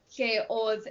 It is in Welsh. lle o'dd